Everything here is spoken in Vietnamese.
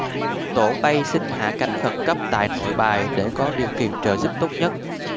tổ bay xin hạ cánh khẩn cấp tại nội bài để có điều kiện trợ giúp tốt nhất